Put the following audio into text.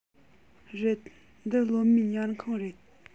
རེད འདི སློབ མའི ཉལ ཁང རེད